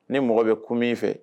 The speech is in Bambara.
Ni mɔgɔ bɛ kun min fɛ